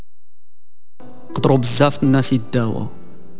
اقترب زفاف الناس بدعوه